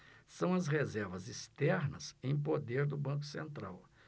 são as reservas externas em poder do banco central